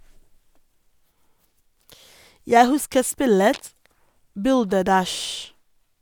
- Jeg husker spillet "Bulderdash".